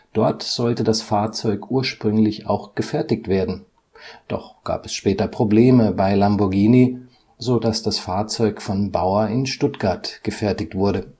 Dort sollte das Fahrzeug ursprünglich auch gefertigt werden, doch gab es später Probleme bei Lamborghini, so dass das Fahrzeug von Baur in Stuttgart gefertigt wurde